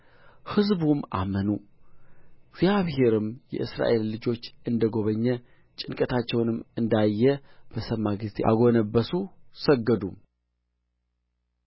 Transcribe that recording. ሕዝቡም አመኑ እግዚአብሔርም የእስራኤልን ልጆች እንደ ጐበኘ ጭንቀታቸውንም እንዳየ በሰሙ ጊዜ አጐነበሱ ሰገዱም